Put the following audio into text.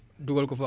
waaw